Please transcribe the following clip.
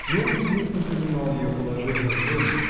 но он смутно понимал ее положение в доме